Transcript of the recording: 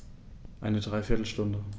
Eine dreiviertel Stunde